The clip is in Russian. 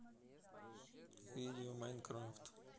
видео майнкрафт